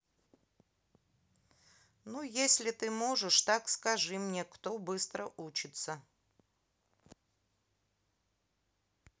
ну если ты можешь так скажи мне кто быстро учится